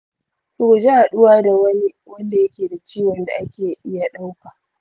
ki guji haɗuwa da wani wanda yake da ciwon da ake iya ɗauka.